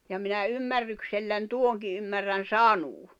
ja minä ymmärrykselläni tuonkin ymmärrän sanoa